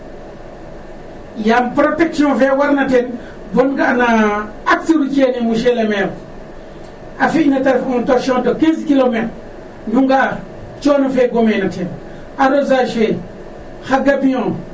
Yaam protecttion fe warna ten bon nga'na axe routier ne monsieur le maire a fi'na ta ref un trochon de 15 kilométre nu nga'a coono fe gomeena ten arrosage fe xa gambio a